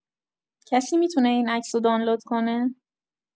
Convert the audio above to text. کسی می‌تونه این عکس رو دانلود کنه؟